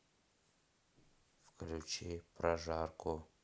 включи прожарку